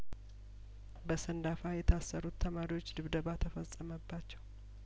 በሰንዳፋ የታሰሩት ተማሪዎች ድብደባ ተፈጸመባቸው